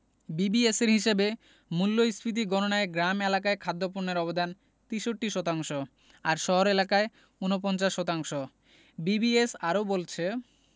বিবিএসের হিসাবে মূল্যস্ফীতি গণনায় গ্রাম এলাকায় খাদ্যপণ্যের অবদান ৬৩ শতাংশ আর শহর এলাকায় ৪৯ শতাংশ বিবিএস আরও বলছে